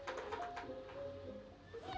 трофим черным по белому